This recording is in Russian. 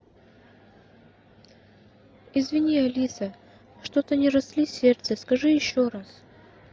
извини алиса что то не росли сердце скажи еще раз